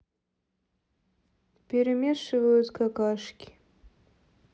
перемешивают какашки